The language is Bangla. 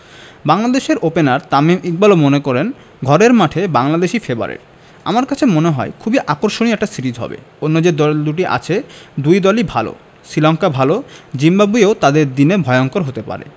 বাংলাদেশের ওপেনার তামিম ইকবালও মনে করেন ঘরের মাঠে বাংলাদেশই ফেবারিট আমার কাছে মনে হয় খুবই আকর্ষণীয় একটা সিরিজ হবে অন্য যে দুটি দল আছে দুই দলই ভালো শ্রীলঙ্কা ভালো জিম্বাবুয়েও তাদের দিনে ভয়ংকর হতে পারে